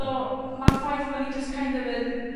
So ma'r ffaith bo' ni jyst kind of yn